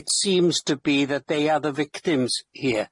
It seems to be that they are the victims here.